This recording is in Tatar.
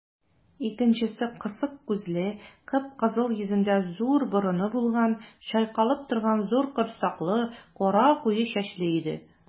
Икенчесе кысык күзле, кып-кызыл йөзендә зур борыны булган, чайкалып торган зур корсаклы, кара куе чәчле иде.